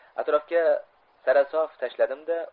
atrofga sarasof tashladimda